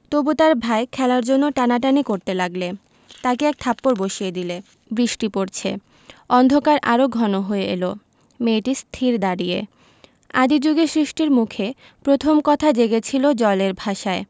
তবু তার ভাই খেলার জন্যে টানাটানি করতে লাগলে তাকে এক থাপ্পড় বসিয়ে দিলে বৃষ্টি পরছে অন্ধকার আরো ঘন হয়ে এল মেয়েটি স্থির দাঁড়িয়ে আদি জুগে সৃষ্টির মুখে প্রথম কথা জেগেছিল জলের ভাষায়